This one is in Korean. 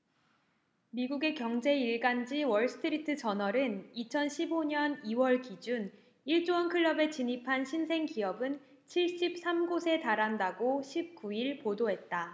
미국의 경제일간지 월스트리트저널은 이천 십 오 년 이 월 기준 일 조원 클럽에 진입한 신생기업은 칠십 삼 곳에 달한다고 십 구 일 보도했다